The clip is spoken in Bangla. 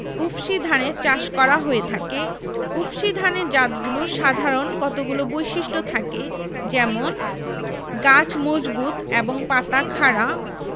উফশী ধানের চাষ করা হয়ে থাকে উফশী ধানের জাতগুলোর সাধারণ কতগুলো বৈশিষ্ট্য থাকে যেমনঃ গাছ মজবুত এবং পাতা খাড়া